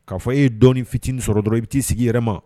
K'a fɔ e ye dɔɔnini fitinin sɔrɔ dɔrɔn i bɛ t' sigi yɛrɛ ma